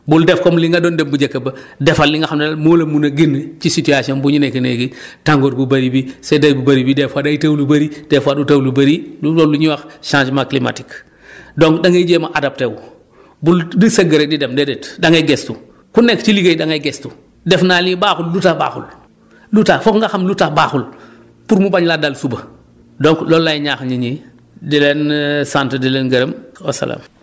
bul def comme li nga doon def bu njëkk ba defal li nga xam ne moo la mun a génne ci situation bu ñu nekk léegi tàngoor bu bëri bi seddaay bu bëri bi des fois dat taw lu bëri des fois du taw lu bëri lu loolu lu ñuy wax changement climatique donc da ngay jéem a adapté wu bul di sëgg rek di dem déedéet da ngay gestu ku nekk ci liggéey da ngay gestu def naa lii baaxul lu tax baaxul lu tax foog nga xam lu tax baaxul pour mu bañ laa dal suba donc loolu laay ñaax nit ñi di leen sant di leen gërëm wa salaa